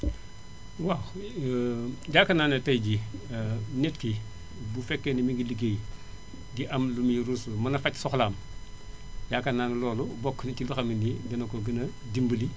waaw yaakaar na ne tay jii nit ki bu fekkee ne mi ngi ligéey di am lu muy ruuslu mën a faj soxlaam yaakaar na ne loolu bokk na si li nga xam ne nii dina ko gën a dimbali